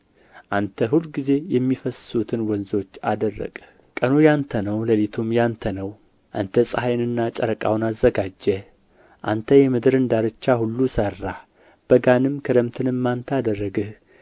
አንተ ሁልጊዜ የሚፈስሱትን ወንዞች አደረቅህ ቀኑ የአንተ ነው ሌሊቱም የአንተ ነው አንተ ፀሓዩንና ጨረቃውን አዘጋጀህ አንተ የምድርን ዳርቻ ሁሉ ሠራህ በጋንም ክረምትንም አንተ አደረግህ